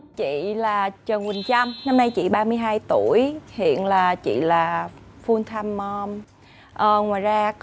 chị là trần huỳnh trâm năm nay chỉ ba mươi hai tuổi hiện là chị là phum tham mom ờ ngoài ra còn